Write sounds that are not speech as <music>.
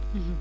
<hesitation> <hesitation>